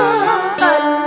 không